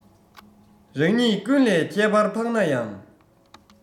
རང ཉིད ཀུན ལས ཁྱད པར འཕགས ན ཡང